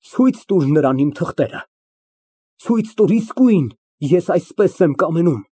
Ցույց տուր նրան իմ թղթերը։ Ցույց տուր իսկույն, ես այդպես եմ կամենում։